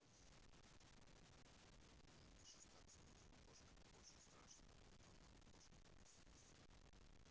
на меня шестак смотрит кошка очень страшная будто бы она хочет меня съесть